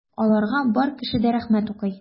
Аларга бар кеше дә рәхмәт укый.